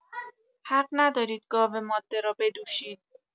حق ندارید گاو ماده را بدوشید.